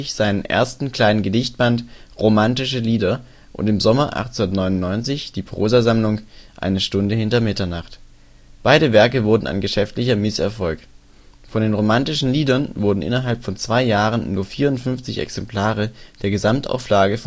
seinen ersten kleinen Gedichtband " Romantische Lieder " und im Sommer 1899 die Prosasammlung " Eine Stunde hinter Mitternacht ". Beide Werke wurden ein geschäftlicher Misserfolg. Von den " Romantischen Liedern " wurden innerhalb von zwei Jahren nur 54 Exemplare der Gesamtauflage